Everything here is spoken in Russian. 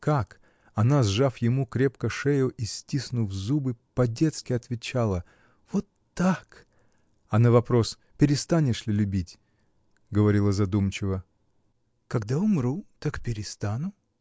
Как?” — она, сжав ему крепко шею и стиснув зубы, по-детски отвечала: “Вот так!” А на вопрос: “Перестанешь ли любить?” — говорила задумчиво: “Когда умру, так перестану”.